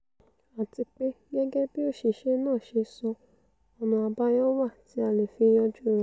Àti pé gẹ́gẹ́ bí òṣìṣẹ́ náà ṣe sọ, ọ̀nà àbáyọ wà tí a lè fi yanjú rẹ̀.